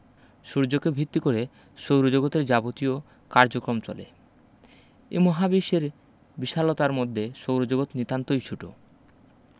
সূর্যকে ভিত্তি করে সৌরজগতের যাবতীয় কার্যক্রম চলে এই মহাবিশ্বের বিশালতার মধ্যে সৌরজগৎ নিতান্তই ছুট